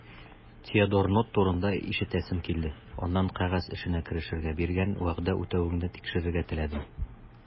Теодор Нотт турында ишетәсем килде, аннан кәгазь эшенә керешергә биргән вәгъдә үтәвеңне тикшерергә теләдем.